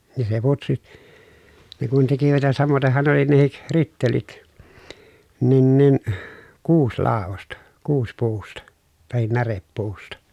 niin se putsi ne kun tekivät ja samoitenhan ne oli nekin rittelit niin niin kuusilaudasta kuusipuusta tai närepuusta